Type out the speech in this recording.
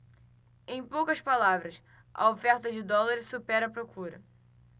em poucas palavras a oferta de dólares supera a procura